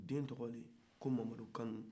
den tɔgɔ de ye ko mamadukanu